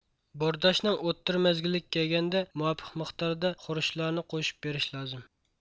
بورداشنىڭ ئوتتۇرا مەزگىلىگە كەلگەندە مۇۋاپىق مىقداردا خۇرۇچلارنى قوشۇپ بېرىش لازىم